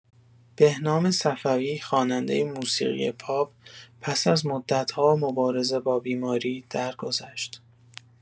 بهنام صفوی خواننده موسیقی پاپ پس از مدت‌ها مبارزه با بیماری، درگذشت.